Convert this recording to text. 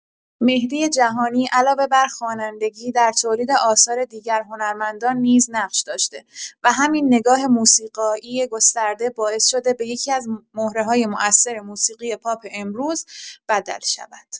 مهدی جهانی علاوه بر خوانندگی، در تولید آثار دیگر هنرمندان نیز نقش داشته و همین نگاه موسیقایی گسترده باعث شده به یکی‌از مهره‌های موثر موسیقی پاپ امروز بدل شود.